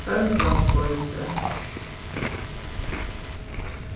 bóndansbeiti